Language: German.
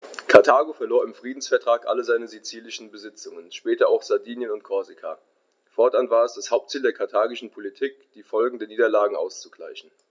Karthago verlor im Friedensvertrag alle seine sizilischen Besitzungen (später auch Sardinien und Korsika); fortan war es das Hauptziel der karthagischen Politik, die Folgen dieser Niederlage auszugleichen.